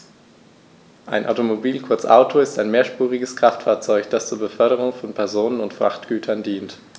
Ein Automobil, kurz Auto, ist ein mehrspuriges Kraftfahrzeug, das zur Beförderung von Personen und Frachtgütern dient.